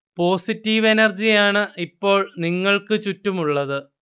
positive energy ആണ് ഇപ്പോൾ നിങ്ങൾക്ക് ചുറ്റുമുള്ളത്